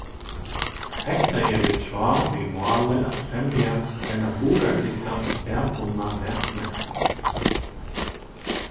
hetta er í tráð við málið at fremja eina burðardygga og staðbundna matmentan